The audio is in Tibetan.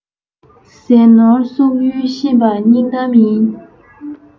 ཟས ནོར གསོག ཚུལ ཤེས པ སྙིང གཏམ ཡིན